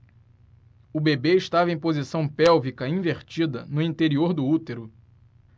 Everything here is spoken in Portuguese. o bebê estava em posição pélvica invertida no interior do útero